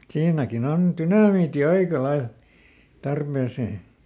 siinäkin on dynamiitti aika lailla tarpeeseen